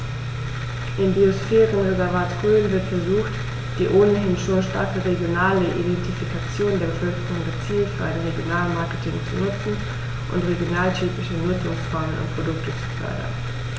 Im Biosphärenreservat Rhön wird versucht, die ohnehin schon starke regionale Identifikation der Bevölkerung gezielt für ein Regionalmarketing zu nutzen und regionaltypische Nutzungsformen und Produkte zu fördern.